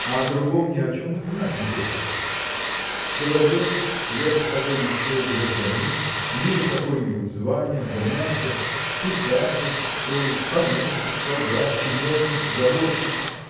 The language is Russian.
а о другом ни о чем и знать не хочешь. Человек сверх того еще и гражданин имеет какое-нибудь звание занятие – писатель что ли помещик солдат чиновник заводчик.